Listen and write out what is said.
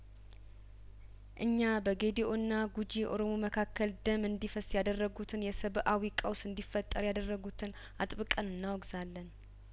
እኛ በጌዲኦ እና ጉጂ ኦሮሞ መካከል ደም እንዲፈስ ያደረጉትን የሰብአዊ ቀውስ እንዲፈጠር ያደረጉትን አጥብ ቀን እናወግዛለን